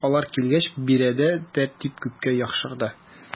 Алар килгәч биредә тәртип күпкә яхшырды.